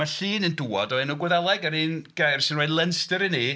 Ma' Llŷn yn dŵad o enw Gwyddeleg, yr un gair sy'n rhoi Leinster i ni.